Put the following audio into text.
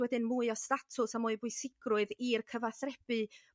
wedyn mwy o statws a mwy o bwysigrwydd i'r cyfathrebu